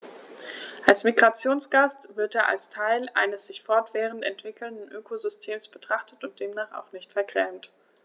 Als Migrationsgast wird er als Teil eines sich fortwährend entwickelnden Ökosystems betrachtet und demnach auch nicht vergrämt.